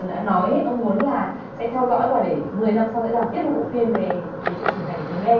đã nói ông muốn là sẽ theo dõi và để mười năm sau làm tiếp một bộ phim về về sự trưởng thành chính em